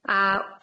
A